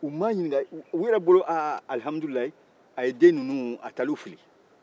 u m'a ɲinika u yɛrɛ bolo aa alihamudulilayi a ye den ninnu a taara u fili